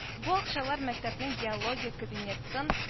Бу акчалар мәктәпнең геология кабинетын